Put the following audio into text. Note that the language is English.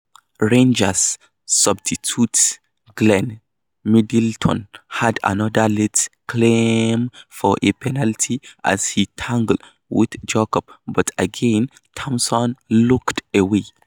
Rangers substitute Glenn Middleton had another late claim for a penalty as he tangled with Jacobs but again Thomson looked away.